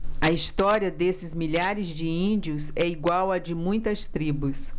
a história desses milhares de índios é igual à de muitas tribos